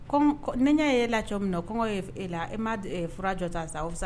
Ne ɲɛ'e la cogo min na kɔngɔ e la e m ma fura jɔ ta sisan